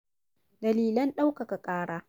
Dalilan ɗaukaka ƙara